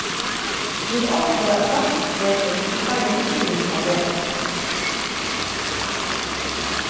vit áttu at samskift betur so færri misskiljingar verða